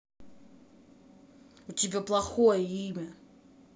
у тебя плохое имя